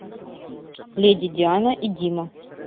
леди диана и дима